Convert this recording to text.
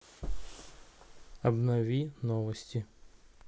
обнови новости